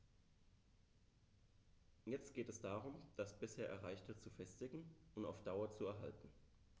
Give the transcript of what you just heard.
Jetzt geht es darum, das bisher Erreichte zu festigen und auf Dauer zu erhalten.